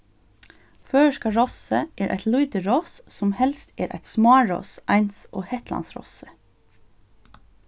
føroyska rossið er eitt lítið ross sum helst er eitt smáross eins og hetlandsrossið